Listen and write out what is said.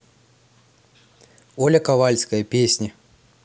оля ковальская песни